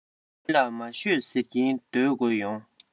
མི ལ མ ཤོད ཟེར གྱིན སྡོད དགོས ཡོང